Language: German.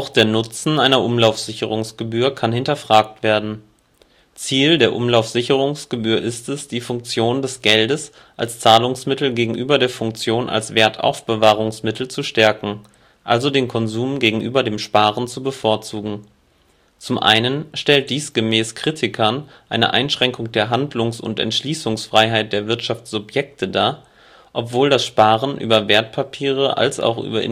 der Nutzen einer Umlaufsicherungsgebühr kann hinterfragt werden. (Diese Hinterfragung stellt bei den Freigeldsystemen keinerlei Bedeutung dar und ist sogar als die elementare Wurzel zu sehen!) Ziel der Umlaufsicherungsgebühr ist es, die Funktion des Geldes als Zahlungsmittel gegenüber der Funktion als Wertaufbewahrungsmittel zu stärken - also den Konsum gegenüber dem Sparen zu bevorzugen. Zum einen stellt dies gemäß Kritikern eine Einschränkung der Handlungs - und Entschließungsfreiheit der Wirtschaftssubjekte dar. Obwohl das Sparen über Wertpapiere als auch über